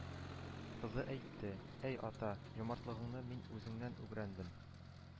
Кызы әйтте: «Әй ата, җумартлыкны мин үзеңнән үгрәндем